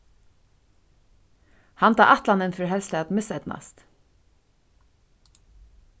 handa ætlanin fer helst at miseydnast